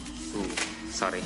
Ww sori.